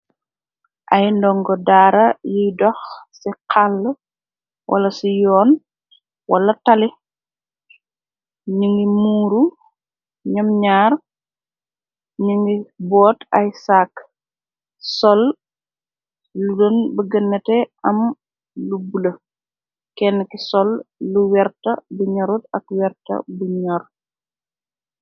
Ay ndongo daara yiy dox ci xall wala ci yoon wala tali ni ngi muuru ñom ñaar ni ngi boot ay saak sol lu don bëggenate am lu bule kenn ki sol lu werta bu ñarut ak werta bu ñoor.